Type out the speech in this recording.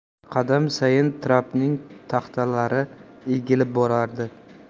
qadam sayin trapning taxtalari egilib borardi